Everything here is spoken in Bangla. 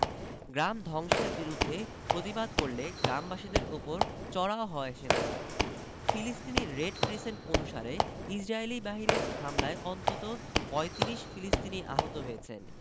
গ্রাম ধ্বংসের বিরুদ্ধে প্রতিবাদ করলে গ্রামবাসীদের ওপর চড়াও হয় সেনারা ফিলিস্তিনি রেড ক্রিসেন্ট অনুসারে ইসরাইলি বাহিনীর হামলায় অন্তত ৩৫ ফিলিস্তিনি আহত হয়েছেন